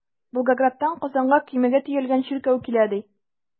Волгоградтан Казанга көймәгә төялгән чиркәү килә, ди.